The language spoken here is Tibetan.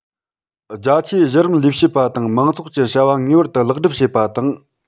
རྒྱ ཆེའི གཞི རིམ ལས བྱེད པ དང མང ཚོགས ཀྱི བྱ བ ངེས པར དུ ལེགས སྒྲུབ བྱེད པ དང